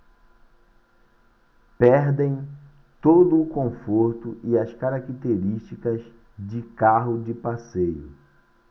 perdem todo o conforto e as características de carro de passeio